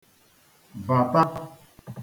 -bàta